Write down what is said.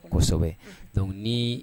Dɔnku ni